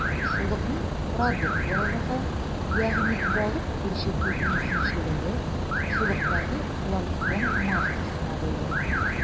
Сулыкның продуктлылыгы, ягъни балык үрчетү мөмкинчелеге, сулыктагы планктон массасына бәйле.